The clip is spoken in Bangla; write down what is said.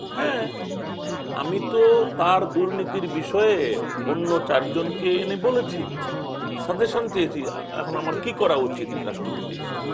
হ্যাঁ আমিতো তার দুর্নীতির বিষয়ে অন্য চারজন কে এনে বলেছি সাজেশন চেয়েছি এখন আমার কি করা উচিত রাষ্ট্রপতি হিসেবে